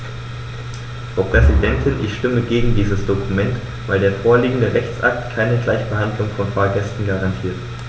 Frau Präsidentin, ich stimme gegen dieses Dokument, weil der vorliegende Rechtsakt keine Gleichbehandlung von Fahrgästen garantiert.